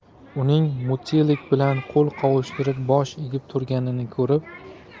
uning mutelik bilan qo'l qovushtirib bosh egib turganini ko'rib